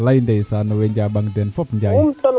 walay ndeysaan owey njaaɓang den fop Njaay